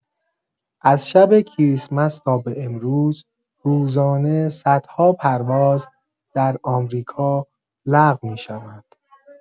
از شب کریسمس تا به امروز، روزانه صدها پرواز در آمریکا لغو می‌شوند.